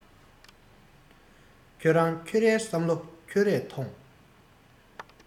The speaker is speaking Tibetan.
ཁྱོད རང ཁྱོད རའི བསམ བློ ཁྱོད རས ཐོངས